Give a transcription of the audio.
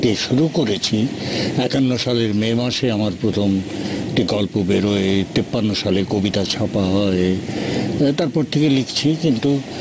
শুরু করেছি ৫১ সালে মে মাসে আমার প্রথম গল্প বেরোয় তেপান্ন সালে কবিতা ছাপা হয় তারপর থেকেই লিখছি